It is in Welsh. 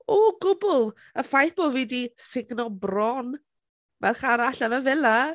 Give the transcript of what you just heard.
O gwbl. Y ffaith bo' fi 'di sugno bron merch arall yn y villa.